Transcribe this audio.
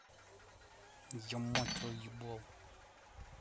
я мать твою ебал